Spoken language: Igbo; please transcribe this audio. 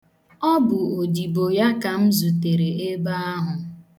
Ọ bụ odibo ya ka m zutere ebe ahụ.